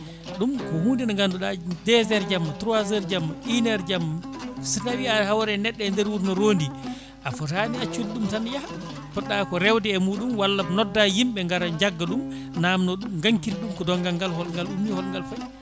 ɗum ko hunde nde ganduɗa 2 heures jamma 3 heures jamma 1 heures jamma so tawi a hawre neɗɗo e nder wuuro no rondi a footani accude ɗum tan yaaha poɗɗa ko rewde e muɗum walla nodda yimɓe gaara jagga ɗum namdo ɗum enquête ti ɗum ko donggal ngal holɗo ngal ummi holɗo ngal faayi